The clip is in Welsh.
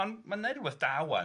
ond ma'n neud rwbeth da ŵan.